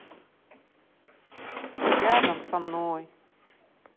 рядом со мной